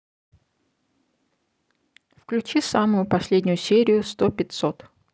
включи самую последнюю серию сто пятьсот